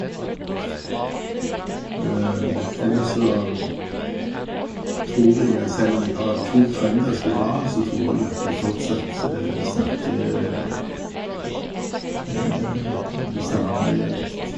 Ellers så, tror jeg at selv om jeg har to trønderske barn, så tror jeg at jeg fortsatt snakker en Stavangerdialekt.